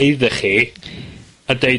iddoch chi, a deud...